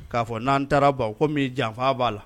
K'a fɔ n'an taara Baw komi janfa b'a la